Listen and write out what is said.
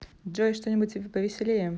джой что нибудь повеселее